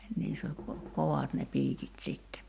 niissä oli - kovat ne piikit sitten